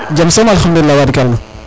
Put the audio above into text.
jam som alkhaoulilah tubarkala